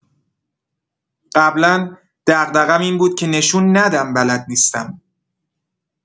قبلا دغدغم این بود که نشون ندم بلد نیستم.